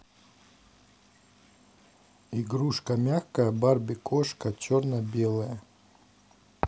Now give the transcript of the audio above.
игрушка мягкая барби кошка черно белая